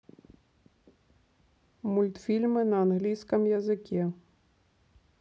мультфильмы на английском языке